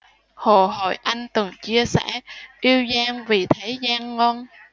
hồ hoài anh từng chia sẻ yêu giang vì thấy giang ngoan